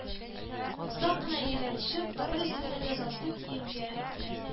Сак кына иелә төшеп, кабер өстендәге затлы киемгә